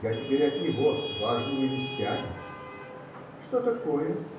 Я теперь от него с важными вестями. -- Что такое?